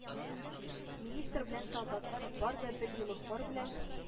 Министр белән солдатлар бар да берьюлы хор белән: